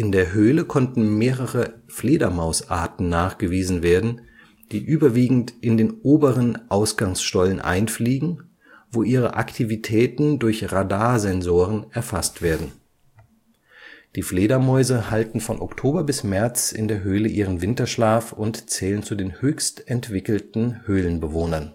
der Höhle konnten mehrere Fledermausarten nachgewiesen werden, die überwiegend in den oberen Ausgangsstollen einfliegen, wo ihre Aktivitäten durch Radarsensoren erfasst werden. Die Fledermäuse halten von Oktober bis März in der Höhle ihren Winterschlaf und zählen zu den höchstentwickelten Höhlenbewohnern